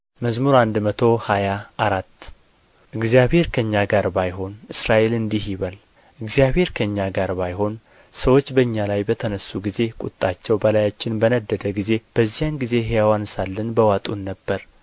መዝሙር መቶ ሃያ አራት እግዚአብሔር ከእኛ ጋር ባይሆን እስራኤል እንዲህ ይበል እግዚአብሔር ከእኛ ጋር ባይሆን ሰዎች በእኛ ላይ በተነሡ ጊዜ ቍጣቸውን በላያችን በነደደ ጊዜ በዚያን ጊዜ ሕያዋን ሳለን በዋጡን ነበር